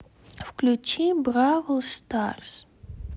включи бравл старс